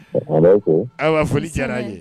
O tuma n b'aw fo, ayiwa foli diyar'an ye